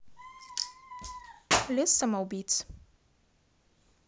лес самоубийц